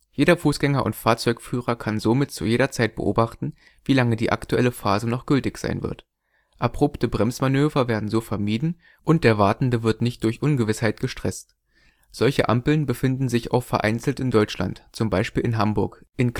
Jeder Fußgänger und Fahrzeugführer kann somit zu jeder Zeit beobachten, wie lange die aktuelle Phase noch gültig sein wird. Abrupte Bremsmanöver werden so vermieden und der Wartende wird nicht durch Ungewissheit gestresst. Solche Ampeln befinden sich auch vereinzelt in Deutschland, zum Beispiel in Hamburg (in